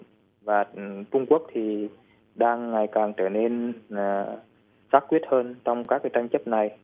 và trung quốc thì đang ngày càng trở nên là giải quyết hơn trong các tranh chấp này